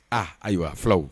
Aa ayiwa fulaw